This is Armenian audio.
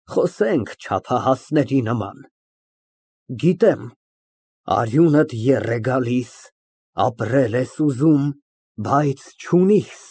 Խոսենք չափահասների նման։ Գիտեմ, արյունդ եռ է գալիս, ապրել ես ուզում, բայց չունիս։